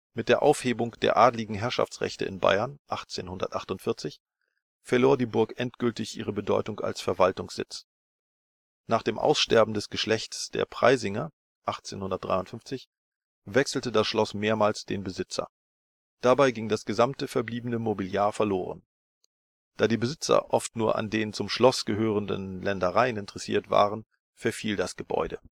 Mit der Aufhebung der adligen Herrschaftsrechte in Bayern 1848 verlor die Burg endgültig ihre Bedeutung als Verwaltungssitz. Nach dem Aussterben des Geschlechtes der Preysinger 1853 wechselte das Schloss mehrmals den Besitzer. Dabei ging das gesamte verbliebene Mobiliar verloren. Da die Besitzer oft nur an den zum Schloss gehörenden Ländereien interessiert waren, verfiel das Gebäude